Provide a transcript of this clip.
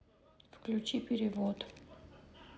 включи период